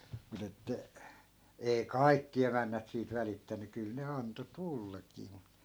mutta että ei kaikki emännät siitä välittänyt kyllä ne antoi tullakin mutta